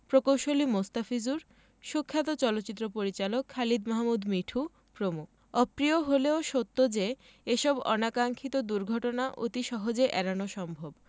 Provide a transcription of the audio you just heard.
প্রকৌশলী মোস্তাফিজুর সুখ্যাত চলচ্চিত্র পরিচালক খালিদ মাহমুদ মিঠু প্রমুখ অপ্রিয় হলেও সত্য যে এসব অনাকাক্সিক্ষত দুর্ঘটনা অতি সহজে এড়ানো সম্ভব